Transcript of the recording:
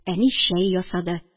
Әни чәй ясады